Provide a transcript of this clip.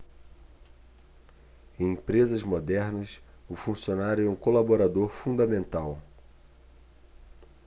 em empresas modernas o funcionário é um colaborador fundamental